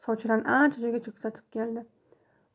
sovchilarni ancha joygacha kuzatib keldi